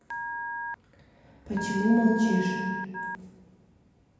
почему молчишь